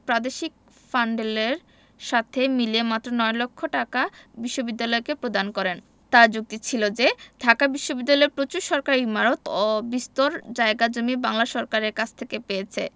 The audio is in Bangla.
প্রাদেশিক ফান্ডেলের সাথে মিলিয়ে মাত্র নয় লক্ষ টাকা বিশ্ববিদ্যালয়কে প্রদান করেন তাঁর যুক্তি ছিল যে ঢাকা বিশ্ববিদ্যালয় প্রচুর সরকারি ইমারত ও বিস্তর জায়গা জমি বাংলা সরকারের কাছ থেকে পেয়েছে